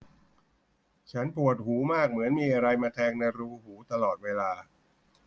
ฉันปวดหูมากเหมือนมีอะไรมาแทงในรูหูตลอดเวลา